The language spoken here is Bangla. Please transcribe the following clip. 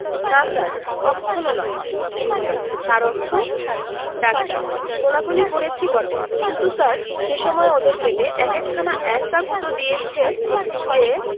না স্যার কক্ষণো নয় প্রিন্সিপাল তার অর্থ ডাক্তার কোলাকুলি করেছি বটে কিন্তু স্যার সে সময় ওদের পেটে এক একখানা এ্যায়সা গুঁতো দিয়েছে যে